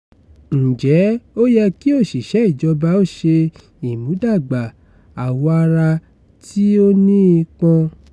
Ǹjẹ́ ó yẹ kí òṣìṣẹ́ ìjọba ó ṣe ìmúdàgbà àwọ̀-ara tí ó ní ipọn?